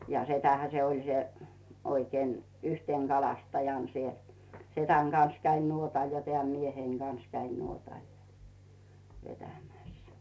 ja setähän se oli se oikein yhtenä kalastajana siellä sedän kanssa kävin nuotalla ja tämän mieheni kanssa kävin nuotalla ja vetämässä